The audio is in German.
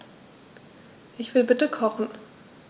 Ich will bitte kochen.